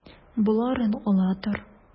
Боларын ала тор.